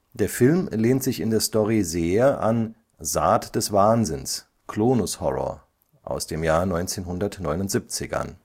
Der Film lehnt sich in der Story sehr an Saat des Wahnsinns – Clonus Horror (1979) an